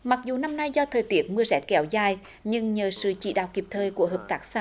mặc dù năm nay do thời tiết mưa rét kéo dài nhưng nhờ sự chỉ đạo kịp thời của hợp tác xã